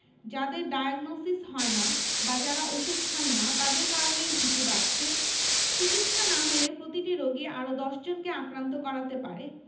যাদের ডায়াগনসিস হয় না বা যারা ওষুধ খান না তাদের কারণেই ঝুঁকি বাড়ছে চিকিৎসা না হলে প্রতিটি রোগী আরও ১০ জনকে আক্রান্ত করাতে পারে